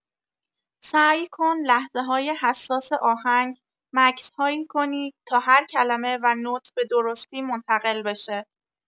سعی کن لحظه‌های حساس آهنگ، مکث‌هایی کنی تا هر کلمه و نت به‌درستی منتقل بشه.